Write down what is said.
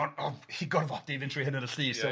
fy ngorf- 'i gorfodi i fynd trwy hyn yn y llys